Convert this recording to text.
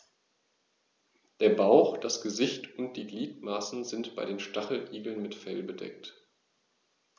Der Bauch, das Gesicht und die Gliedmaßen sind bei den Stacheligeln mit Fell bedeckt.